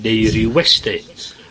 neu ryw westy.